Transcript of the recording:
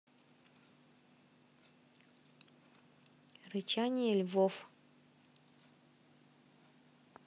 рычание львов